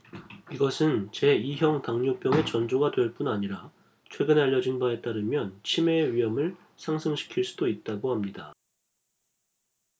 이것은 제 이 형 당뇨병의 전조가 될 뿐 아니라 최근에 알려진 바에 따르면 치매의 위험을 상승시킬 수도 있다고 합니다